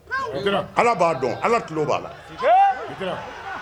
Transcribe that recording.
Ala b'a dɔn Ala kulo b'a la.